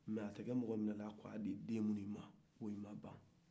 nka a tun bɛ mɔgɔ minɛ k'a di den minnu ma olu ma ban